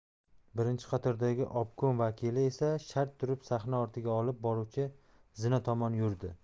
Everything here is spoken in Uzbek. birinchi qatordagi obkom vakili esa shart turib sahna ortiga olib boruvchi zina tomon yurdi